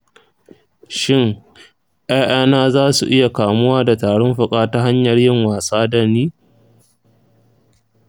shin ’ya’yana za su iya kamuwa da tarin fuka ta hanyar yin wasa da ni?